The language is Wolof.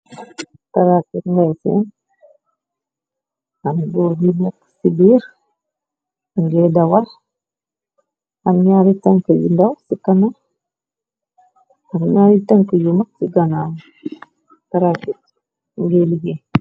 Tarakit neysen, am goor bu ñeka ci biir mun nge dawal. Am nyari tanka yu ndaw ci kanam, am nyari tanka yu mag ci ganaaw. Tarakit mun nge liggée.